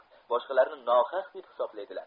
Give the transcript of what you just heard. boshqalarni nohaq deb hisoblaydilar